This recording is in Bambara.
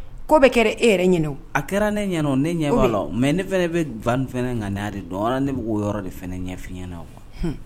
Kɔ bɛ kɛra e yɛrɛ ɲ a kɛra ne ɲɛna ne ɲɛ mɛ ne fana bɛban kaani de dɔn ne b' yɔrɔ de fana ɲɛfin